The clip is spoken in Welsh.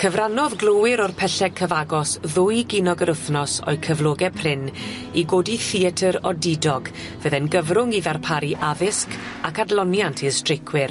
Cyfrannodd glowyr o'r pelle cyfagos ddwy ginog yr wthnos o'u cyflogau prin i godi theatyr odidog fydde'n gyfrwng i ddarparu addysg ac adloniant i'r streicwyr.